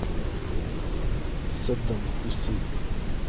саддам хусей